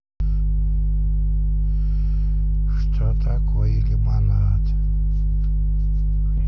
что такое лимонад